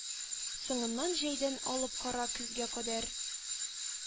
Соңыннан җәйдән алып кара көзгә кадәр